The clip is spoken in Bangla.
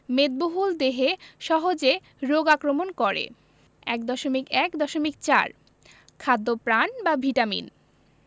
মেদবহুল দেহে সহজে রোগ আক্রমণ করে ১.১.৪ খাদ্যপ্রাণ বা ভিটামিন